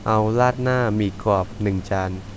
เอาราดหน้าหมี่กรอบหนึ่งจาน